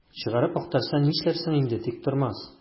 Чыгарып актарса, нишләрсең инде, Тиктормас?